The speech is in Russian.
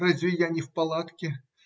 Разве я не в палатке?